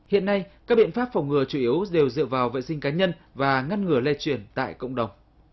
hiện nay các biện pháp phòng ngừa chủ yếu đều dựa vào vệ sinh cá nhân và ngăn ngừa lây truyền tại cộng đồng